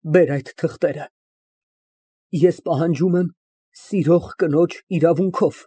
Բեր այդ թղթերը, ես պահանջում եմ սիրող կնոջ իրավունքով։